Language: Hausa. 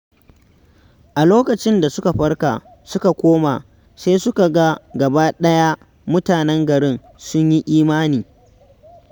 A lokacin da suka farka, suka koma, sai suka ga gabaɗaya mutanen garin sun yi imani